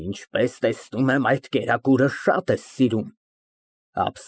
Ինչպես տեսնում եմ, այդ կերակուրը շատ ես սիրում։